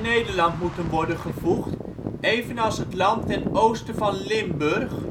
Nederland moeten worden gevoegd, evenals het land ten oosten van Limburg,